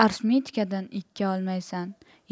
arifmetikadan ikki olmaysan